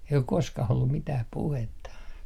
ei ole koskaan ollut mitään puhetta